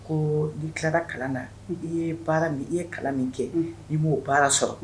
Ko ni tilara kalan na i ye baara min i ye kalan min kɛ i bo baara sɔrɔ.